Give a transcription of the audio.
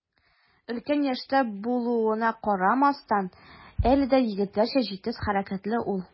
Өлкән яшьтә булуына карамастан, әле дә егетләрчә җитез хәрәкәтле ул.